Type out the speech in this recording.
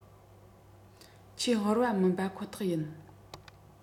ཆེས དབུལ བ མིན པ ཁོ ཐག ཡིན